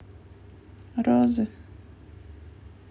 розы